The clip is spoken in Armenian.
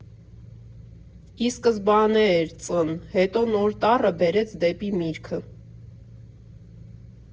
Ի սկզբանե էր Ծ֊ն, հետո նոր տառը բերեց դեպի միրգը։